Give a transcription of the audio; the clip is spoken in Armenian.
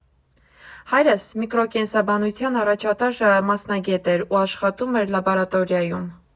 Հայրս միկրոկենսաբանության առաջատար մասնագետ էր ու աշխատում էր լաբորատորիայում։